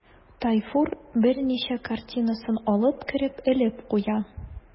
Тайфур берничә картинасын алып кереп элеп куя.